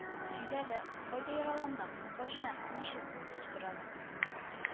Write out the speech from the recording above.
Сөйлә әле, кайда яраландың, кайчан, ничек? — дип сорадым